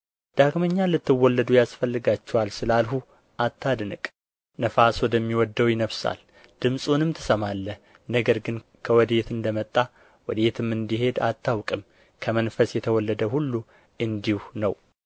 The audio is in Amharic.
ዳግመኛ ልትወለዱ ያስፈልጋችኋል ስላልሁህ አታድንቅ ነፋስ ወደሚወደው ይነፍሳል ድምፁንም ትሰማለህ ነገር ግን ከወዴት እንደ መጣ ወዴትም እንዲሄድ አታውቅም ከመንፈስ የተወለደ ሁሉ እንዲሁ ነው